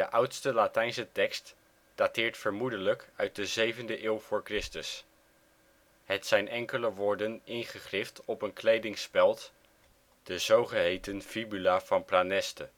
oudste Latijnse tekst dateert vermoedelijk uit de 7e eeuw v.Chr. Het zijn enkele woorden ingegrift op een kledingspeld, de zogeheten Fibula van Praeneste